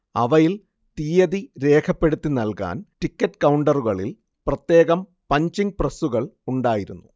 അവയിൽ തിയ്യതി രേഖപ്പെടുത്തി നൽകാൻ ടിക്കറ്റ് കൗണ്ടറുകളിൽ പ്രത്യേകം പഞ്ചിങ് പ്രസ്സുകൾ ഉണ്ടായിരുന്നു